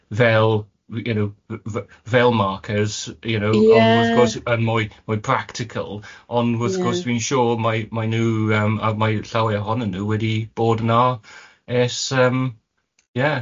fel, you know f- f- fel markers... Ia. ...as you know ond wrth gwrs yn mwy mwy practical... Ia ...ond wrth gwrs dwi'n siŵr mae mae nhw yym a mae llawer ohonyn nhw wedi bod yna ers yym ie.